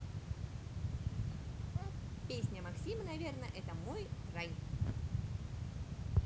песня максим наверно это мой рай